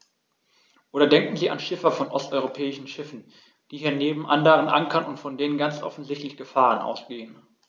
Oder denken Sie an Schiffer von osteuropäischen Schiffen, die hier neben anderen ankern und von denen ganz offensichtlich Gefahren ausgehen.